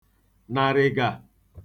nàrị̀gà